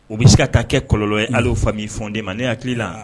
O bɛ se ka kɛ kɔlɔ hali fa fɔden ma ne hakili la